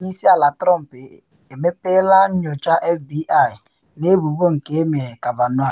Onye Isi Ala Trump emepeela nnyocha FBI n’ebubo nke emere Kavanaugh.